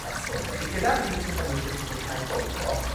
reswm. Fechy, gyda'r un sy'n cynnwys rhisgyl cnau coco,